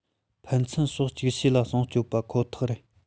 ཕན ཚུན ཕྱོགས ཅིག ཤོས ལ སྲུང སྐྱོབ པ ཁོ ཐག རེད